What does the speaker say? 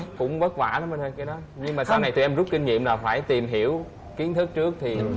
cũng vất vả lắm anh ơi cái đó nhưng mà sau này tụi em rút kinh nghiệm là phải tìm hiểu kiến thức trước thì